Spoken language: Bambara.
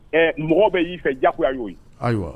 Ɛ mɔgɔ bɛ y'i fɛ jagoya y'o ye, ayiwa.